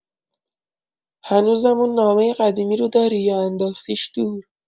هنوزم اون نامه قدیمی روداری یا انداختیش دور؟